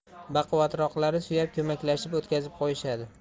baquvvatroqlari suyab ko'maklashib o'tkazib qo'yishadi